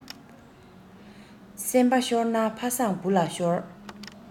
སེམས པ ཤོར ན ཕ བཟང བུ ལ ཤོར